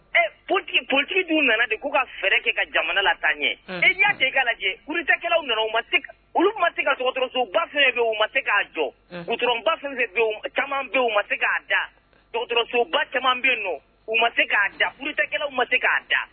Ɛ p porotigi dun nana de k'u ka fɛɛrɛ kɛ ka jamana la tan ɲɛ e ɲɛ de k'a lajɛurukɛlawlaw nana u ma olu ma se ka dɔgɔtɔrɔsoba yen u ma se k'a jɔba caman u ma se k'a da dɔgɔtɔrɔsoba caman bɛ yen u ma se k'a dakɛlaw ma se k'a da